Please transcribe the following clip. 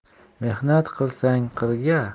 mehnat qilsang qirga